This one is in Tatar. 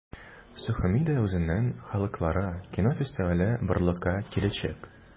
Сухумида үзенең халыкара кино фестивале барлыкка киләчәк.